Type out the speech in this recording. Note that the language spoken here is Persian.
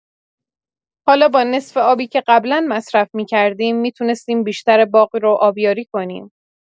حالا با نصف آبی که قبلا مصرف می‌کردیم، می‌تونستیم بیشتر باغ رو آبیاری کنیم.